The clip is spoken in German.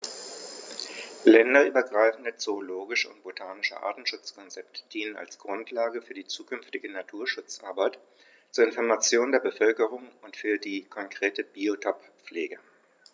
Länderübergreifende zoologische und botanische Artenschutzkonzepte dienen als Grundlage für die zukünftige Naturschutzarbeit, zur Information der Bevölkerung und für die konkrete Biotoppflege.